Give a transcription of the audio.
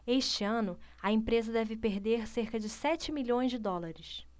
este ano a empresa deve perder cerca de sete milhões de dólares